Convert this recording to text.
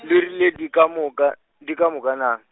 le rile di ka moka, di ka moka naa?